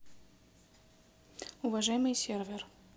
уважаемый сервер